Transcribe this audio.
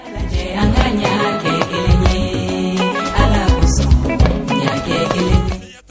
An ka ɲɛ kɛ a sɔrɔ ɲɛ